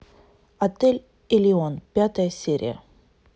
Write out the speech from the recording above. отель элион пятая серия